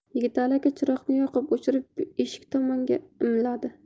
yigitali aka chiroqni yoqib o'chirib eshik tomonga imladi